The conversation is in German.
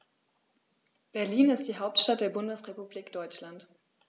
Berlin ist die Hauptstadt der Bundesrepublik Deutschland.